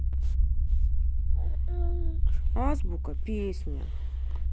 азбука песня